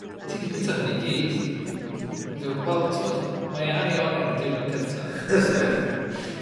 ti 'di bita hwn i gyd. Ydw. Wel t'mod, mae e ar ei ore' ar y diwnod cyntaf so .